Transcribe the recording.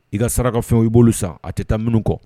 I ka saraka fɛn y i bolo san a tɛ taa minnu kɔ